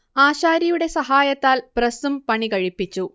ആശാരിയുടെ സഹായത്താൽ പ്രസ്സും പണികഴിപ്പിച്ചു